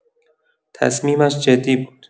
تصمیمش جدی بود.